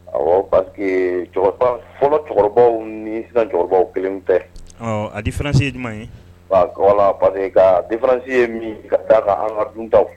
Awɔ parce que cɛkɔrɔbaw fɔlɔ cɛkɔrɔbaw ni sisan cɛkɔrɔbaw kelen tɛ oo ɛa différence ye jumɛn ye voilà parce que ka différence ye min ka daa kan an ka duntaw